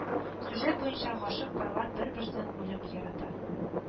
Сюжет буенча гашыйк парлар бер-берсен үлеп ярата